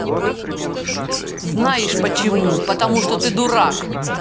знаешь почему потому что ты дурак